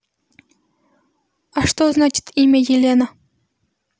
а что значит имя елена